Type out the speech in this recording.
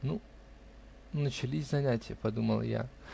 "Ну, начались занятия!" -- подумал я.